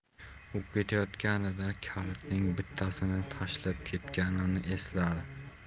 u ketayotganida kalitning bittasini tashlab ketganini esladi